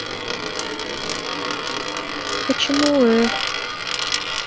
почему эх